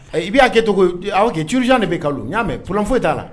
I b'a kɛ to aw kɛ juruurujan de bɛ k' n ɲaa mɛ p foyi t'a la